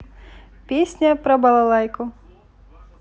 песня про балалайку